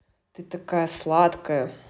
ты такая сладкая